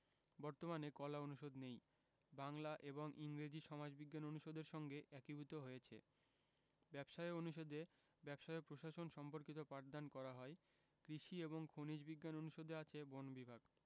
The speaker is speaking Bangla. বর্তমানে কলা অনুষদ নেই বাংলা এবং ইংরেজি সমাজবিজ্ঞান অনুষদের সঙ্গে একীভূত হয়েছে ব্যবসায় অনুষদে ব্যবসায় প্রশাসন সম্পর্কিত পাঠদান করা হয় কৃষি এবং খনিজ বিজ্ঞান অনুষদে আছে বন বিভাগ